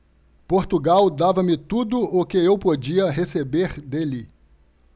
portugal dava-me tudo o que eu podia receber dele